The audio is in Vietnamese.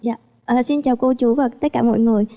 dạ xin chào cô chú và tất cả mọi người